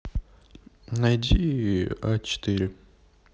найди а четыре